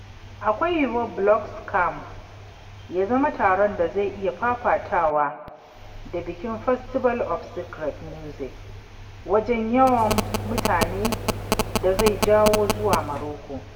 Akwai yiwuwar Blog Camp ya zama taron da zai iya fafatawa da bikin Festival of Sacred Music wajen yawan mutanen da zai jawo zuwa Morocco.